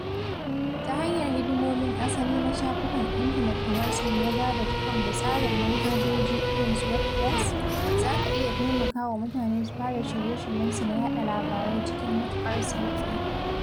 Ta hanyar hidimomin asali na shafukan intanet kamar su Blogger.com da tsarin manhajoji irin su 'WordPress', za ka iya taimaka wa mutane su fara shirye-shiryensu na yaɗa labarai cikin matuƙar sauƙi.